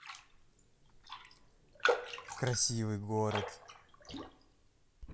красивый город